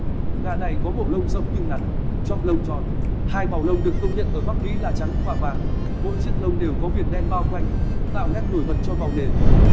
gà này có bộ lông rộng nhưng ngắn chóp lông tròn hai màu lông được công nhận ở bắc mỹ là trắng và vàng mỗi chiếc lông đều có viền đen bao quanh tạo nét nổi bật cho màu nền